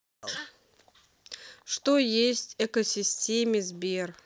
что есть экосистеме сбер